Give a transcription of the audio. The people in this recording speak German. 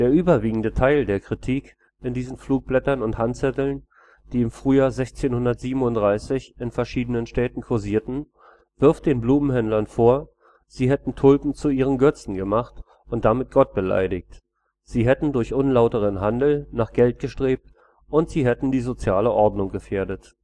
überwiegende Teil der Kritik in diesen Flugblättern und Handzetteln, die im Frühjahr 1637 in verschiedenen Städten kursierten, wirft den Blumenhändlern vor, sie hätten Tulpen zu ihren Götzen gemacht und damit Gott beleidigt, sie hätten durch unlauteren Handel nach Geld gestrebt und sie hätten die soziale Ordnung gefährdet